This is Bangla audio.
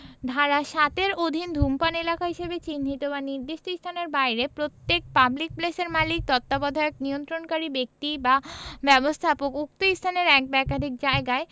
ধারা ৭ এর অধীন ধুমপান এলাকা হিসাবে চিহ্নিত বা নির্দিষ্ট স্থানের বাহিরে প্রত্যেক পাবলিক প্লেসের মালিক তত্ত্বাবধায়ক নিয়ন্ত্রণকারী ব্যক্তিবা ব্যবস্থাপক উক্ত স্থানের এক বা একাধিক জায়গায়